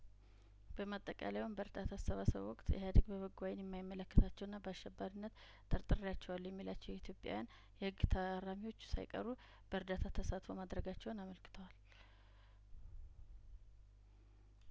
በማጠቃለያውም በእርዳታ አሰባሰቡ ወቅት ኢህአዲግ በበጐ አይን የማይመለከታቸውና በአሸባሪነት ጠርጥሬ ያቸዋለሁ የሚላቸው ኢትዮጵያን የህግ ታራሚዎች ሳይቀሩ በእርዳታው ተሳትፎ ማድረጋቸውን አመልክተዋል